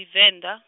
-ivenda.